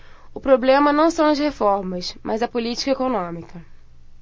o problema não são as reformas mas a política econômica